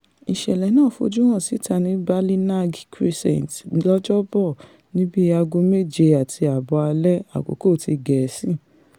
Ìṣẹ̀lẹ̀ náà fojú hàn síta ní Ballynagard Crescent lọ́jọ́ 'Bọ̀ ní bíi aago méje àti ààbọ̀ alẹ́ Àkókò ti Gẹ̀ẹ́sì.